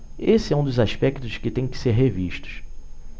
esse é um dos aspectos que têm que ser revistos